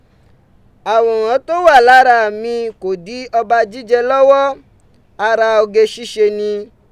Àwòrán tó wà lára mi, kò dí ọba jíjẹ lọ́wọ́, ara oge ṣíṣe ni